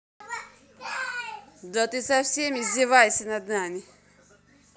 да ты совсем издевайся над нами